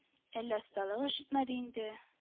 Әллә осталыгы җитмәде инде